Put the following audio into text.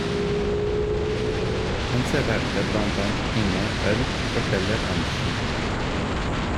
Han serverte blant annet Engø- øl, forteller Andersen.